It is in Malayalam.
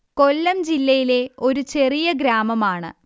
കൊല്ലം ജില്ലയിലെ ഒരു ചെറിയ ഗ്രാമമാണ്